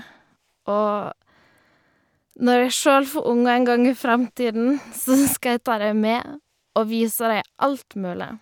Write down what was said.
Og når jeg sjøl får unger en gang i framtiden, så skal jeg ta dem med og vise dem alt mulig.